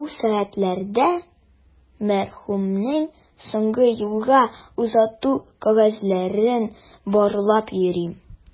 Бу сәгатьләрдә мәрхүмнең соңгы юлга озату кәгазьләрен барлап йөрим.